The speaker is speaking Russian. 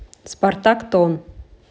спартак тон